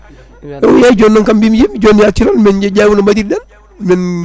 o wi eyyi joni noon kam mim mi yimo joni mi acci toon mi ƴewa no baɗirɗen min